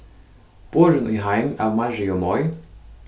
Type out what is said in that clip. borin í heim av mariu moy